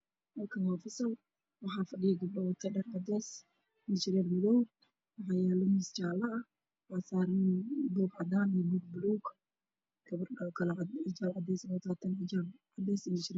Iskuul sare waxaa fadhiya gabdho waxa ay wataan xijaabo cadaan ah cashar iyo qorayaan indha sharaf madow ay wataan